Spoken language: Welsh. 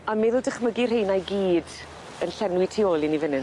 A meddwl dychmygu'r rheina i gyd yn llenwi tu ôl i ni fyn 'yn.